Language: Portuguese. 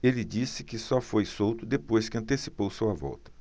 ele disse que só foi solto depois que antecipou sua volta